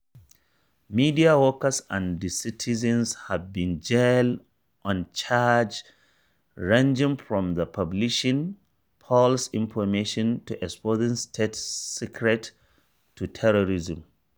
Media workers and citizens have been jailed on charges ranging from publishing “false information” to exposing state secrets to terrorism.